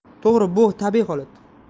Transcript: to'g ri bu tabiiy holat